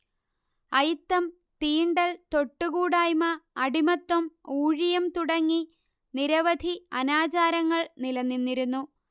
അയിത്തം തീണ്ടൽ തൊട്ടുകൂടായ്മ അടിമത്തം ഊഴിയം തുടങ്ങി നിരവധി അനാചാരങ്ങൾ നിലനിന്നിരുന്നു